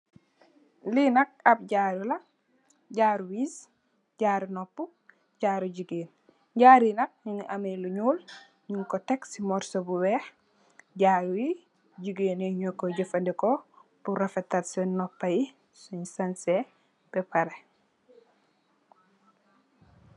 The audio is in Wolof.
Lee nak ab jaaru la jaaru wees jaaru nopu jaaru jegain jaaru ye nak muge ameh lu nuul nugku tek se mursu bu weex jaaru ye jegain ye nukoy jefaneku pur refetal sen nopa ye sun sanseh ba pareh.